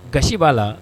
Gasi b'a la